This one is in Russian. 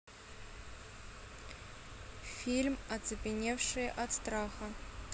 фильм оцепеневшие от страха